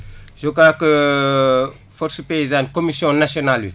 je crois que force paysane comission nationale bi